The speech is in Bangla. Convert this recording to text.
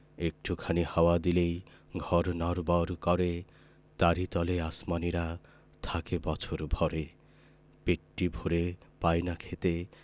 একটু খানি হাওয়া দিলেই ঘর নড়বড় করে তারি তলে আসমানীরা থাকে বছর ভরে পেটটি ভরে পায় না খেতে